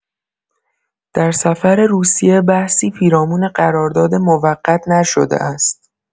در سفر روسیه بحثی پیرامون قرارداد موقت نشده است.